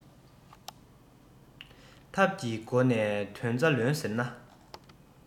ཐབས ཀྱི སྒོ ནས དོན རྩ ལོན ཟེར ན